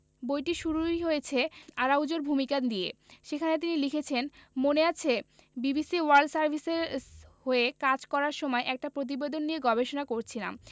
বইটি শুরুই হয়েছে আরাউজোর ভূমিকা দিয়ে সেখানে তিনি লিখেছেন মনে আছে বিবিসি ওয়ার্ল্ড সার্ভিসেস হয়ে কাজ করার সময় একটা প্রতিবেদন নিয়ে গবেষণা করছিলাম